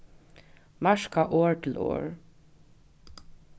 marka orð til orð